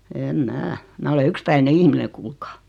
en minä minä olen yksipäinen ihminen kuulkaa